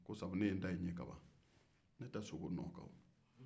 ne tɛ sogo nɔ kan